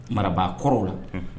Marabaa kɔrɔ o la